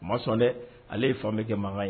O ma sɔn dɛ ale ye fan kɛ mankan ye